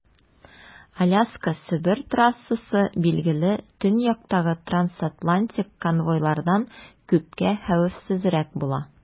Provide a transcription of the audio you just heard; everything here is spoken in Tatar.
Аляска - Себер трассасы, билгеле, төньяктагы трансатлантик конвойлардан күпкә хәвефсезрәк була.